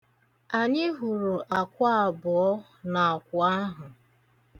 Anyị hụrụ akwa abụọ n'akwụ ahụ.